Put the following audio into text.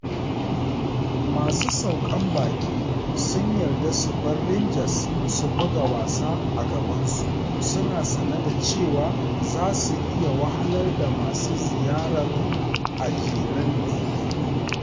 Masu saukan baƙin sun yarda su bar Rangers su buga wasa a gabansu, suna sane da cewa za su iya wahalar da masu ziyarar a jerin ɗaiɗaiku.